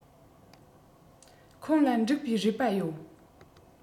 ཁོང ལ འགྲིག པའི རུས པ ཡོད